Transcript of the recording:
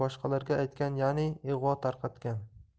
boshqalarga aytgan yani ig'vo tarqatgan